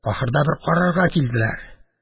Ахырда бер карарга килделәр: